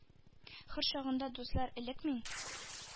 Хөр чагында, дуслар, элек мин?